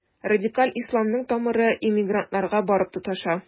Радикаль исламның тамыры иммигрантларга барып тоташа.